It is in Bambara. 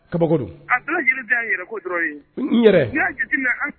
Kaba